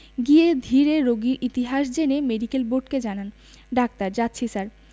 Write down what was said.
গিয়ে ধীরে রোগীর ইতিহাস জেনে মেডিকেল বোর্ডকে জানান ডাক্তার যাচ্ছি স্যার